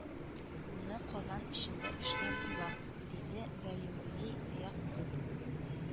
Моны Казан эчендә эшләп була , диде Вәлиулли Ягъкуб